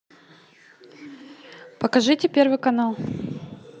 покажите первый канал